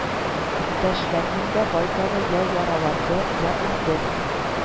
Иптәшләрнең дә байтагы йә яраланды, йә үлде